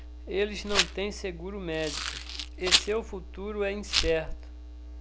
eles não têm seguro médico e seu futuro é incerto